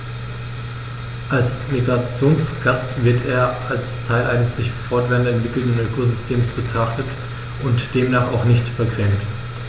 Als Migrationsgast wird er als Teil eines sich fortwährend entwickelnden Ökosystems betrachtet und demnach auch nicht vergrämt.